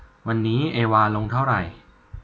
วันนี้เอวาลงเท่าไหร่